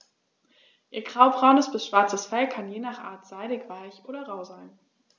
Ihr graubraunes bis schwarzes Fell kann je nach Art seidig-weich oder rau sein.